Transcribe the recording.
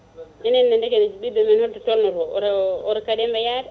enen deke ɓiɗɗo wonto tolno to oto oto kaɗenmo yaade